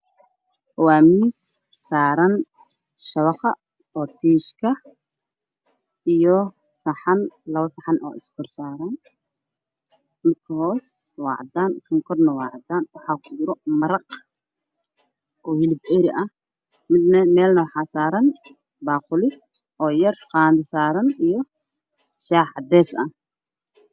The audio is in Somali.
Waa miis saaran shabaqa iyo tiishka oo saxan labo xabo ah saaran yihiin saxanka hoose waa cadaan midka korane wa cadaan waxana ku jira maraq oo hilib ari ah meelna waxaa saaran baaquli oo yar qadana saaran iyo shaax cadeys ah